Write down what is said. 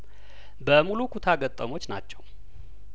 በሙሉ ኩታ ገጠ ሞች ናቸው